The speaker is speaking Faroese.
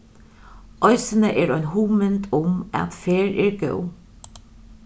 eisini er ein hugmynd um at ferð er góð